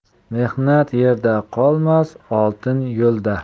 mehnat yerda qolmas oltin yo'lda